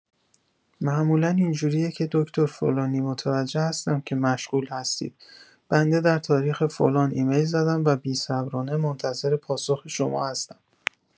معمولا اینجوریه که دکتر فلانی متوجه هستم که مشغول هستید، بنده در تاریخ فلان ایمل زدم و بیصبرانه منتظر پاسخ شما هستم.